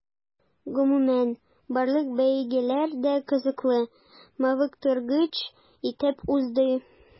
Гомумән, барлык бәйгеләр дә кызыклы, мавыктыргыч итеп узды.